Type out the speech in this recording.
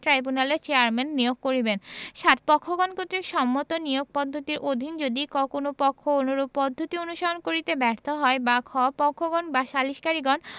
ট্রাইব্যুনালের চেযারম্যান নিয়োগ করিবেন ৭ পক্ষগণ কর্তৃক সম্মত নিয়োগ পদ্ধতির অধীন যদি ক কোন পক্ষ অনুরূপ পদ্ধতি অনুসরণ করিতে ব্যর্থ হয় বা খ পক্ষগণ বা সালিসকারীগণ